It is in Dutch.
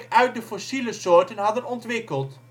uit de fossiele soorten hadden ontwikkeld